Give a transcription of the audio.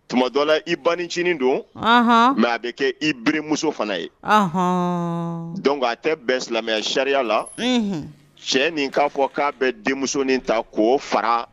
Tuma dɔ la i banincinin don, ɔnhɔn mais a bɛ kɛ i beremuso fana ye, ɔnhɔn donc a tɛ bɛn silamɛ sariya la ɔnhɔn ,cɛ nin k'a fɔ k'a bɛ denmuso in ta k'o fara